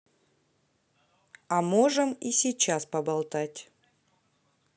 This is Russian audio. а можем и сейчас поболтать